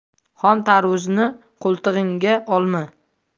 xom tarvuzni qo'litig'ingga olma